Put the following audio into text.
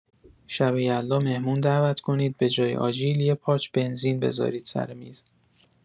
شب یلدا مهمون دعوت کنید به‌جای آجیل یه پارچ بنزین بزارید سر میز.